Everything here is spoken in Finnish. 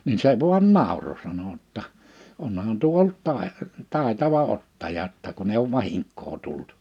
niin se vain nauroi sanoi jotta onhan tuo ollut - taitava ottaja jotta kun ei ole vahinkoa tullut